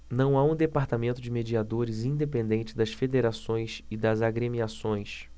não há um departamento de mediadores independente das federações e das agremiações